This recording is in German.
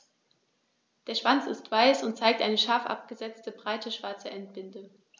Der Schwanz ist weiß und zeigt eine scharf abgesetzte, breite schwarze Endbinde.